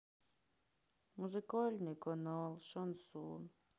музыкальный канал шансон